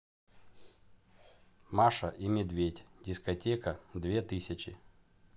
маша и медведь дискотека две тысячи